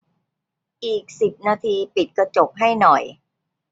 อีกสิบนาทีปิดกระจกให้หน่อย